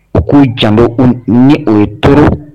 U k'u jamu ni o ye